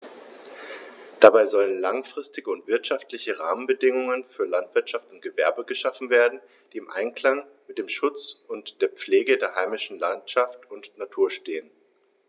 Dabei sollen langfristige und wirtschaftliche Rahmenbedingungen für Landwirtschaft und Gewerbe geschaffen werden, die im Einklang mit dem Schutz und der Pflege der heimischen Landschaft und Natur stehen.